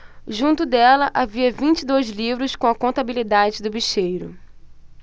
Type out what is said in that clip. junto dela havia vinte e dois livros com a contabilidade do bicheiro